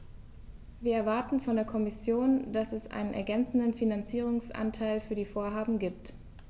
Wir erwarten von der Kommission, dass es einen ergänzenden Finanzierungsanteil für die Vorhaben gibt.